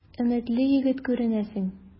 Өметле егет күренәсең.